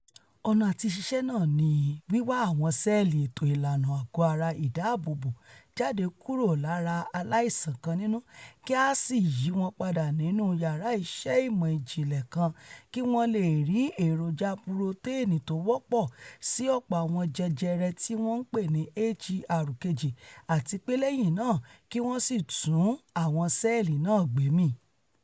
Ọ̀nà àtiṣiṣẹ́ náà ní wíwa àwọn ṣẹ́ẹ̀lì ètò ìlànà àgọ́-ara ìdáààbòbò jáde kúrò lára aláìsàn kan nínú, kí á sì yíwọn padà nínú yàrá iṣẹ́ ìmọ̀ ìjìnlẹ̀ kan kí wọ́n leè 'ri' èròja puroteeni tówọ́pọ̀ sí ọ̀pọ̀ àwọn jẹjẹrẹ tíwọ́n ńpe ni HER2, àtipé lẹ́yìn náà kí wọ́n sì tún àwọn ṣẹ́ẹ̀lì náà gbé mi.